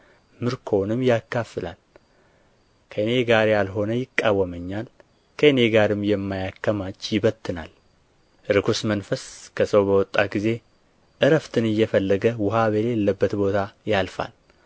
ምርኮውንም ያካፍላል ከእኔ ጋር ያልሆነ ይቃወመኛል ከእኔ ጋርም የማያከማች ይበትናል ርኵስ መንፈስ ከሰው በወጣ ጊዜ ዕረፍትን እየፈለገ ውኃ በሌለበት ቦታ ያልፋል